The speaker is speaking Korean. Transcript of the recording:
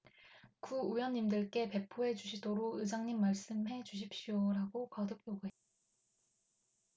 구의원님들께 배포해 주시도록 의장님 말씀해 주십시오라고 거듭 요구했다